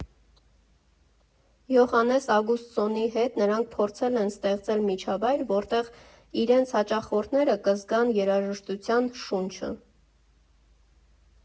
Յոհաննես Ագուստսոնի հետ նրանք փորձել են ստեղծել միջավայր, որտեղ իրենց հաճախորդները կզգան երաժշտության շունչը։